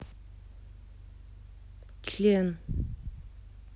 член